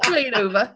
Clean over.